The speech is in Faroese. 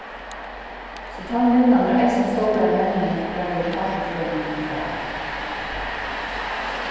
so tann vinnan er eisini í stórari menning greiðir kt-frøðingurin frá